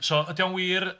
So, ydi o'n wir...